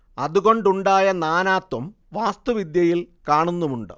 അതുകൊണ്ടുണ്ടായ നാനാത്വം വാസ്തുവിദ്യയിൽ കാണുന്നുമുണ്ട്